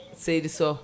seydi Sow